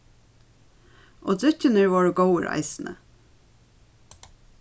og drykkirnir vóru góðir eisini